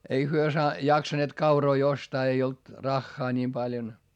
ei he - jaksaneet kauroja ostaa ei ollut rahaa niin paljon